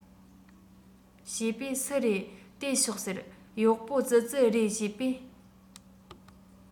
བྱས པས སུ རེད ལྟོས ཤོག ཟེར གཡོག པོ ཙི ཙི རེད བྱས པས